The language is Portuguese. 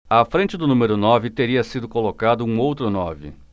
à frente do número nove teria sido colocado um outro nove